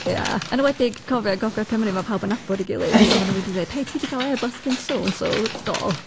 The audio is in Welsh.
Ie, yn enwedig, cofia, Gogledd Cymru, ma' pawb yn nabod ei gilydd, so ma' nhw'n mynd i ddweud, "Hei, ti 'di cael e-bost gen so and so?" "Do."